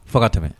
Fo ka tɛmɛ